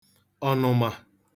ọ̀nụ̀mà